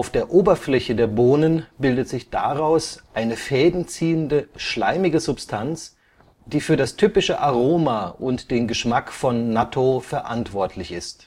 der Oberfläche der Bohnen bildet sich daraus eine Fäden ziehende, schleimige Substanz, die für das typische Aroma und den Geschmack von Nattō verantwortlich ist